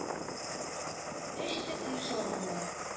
Өч төп “дирижер” була: